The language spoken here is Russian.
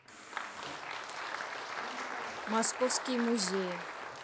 московские музеи